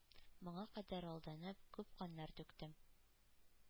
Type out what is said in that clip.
Моңа кадәр алданып, күп каннар түктем;